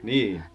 niin